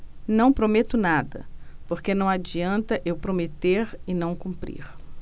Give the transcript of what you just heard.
não prometo nada porque não adianta eu prometer e não cumprir